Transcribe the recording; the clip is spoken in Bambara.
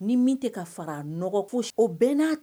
Ni min te ka far'a nɔgɔ fosi o bɛɛ n'a t